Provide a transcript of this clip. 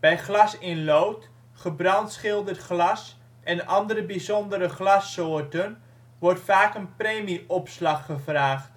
Bij glas in lood, gebrandschilderd glas en andere bijzondere glassoorten wordt vaak een premieopslag gevraagd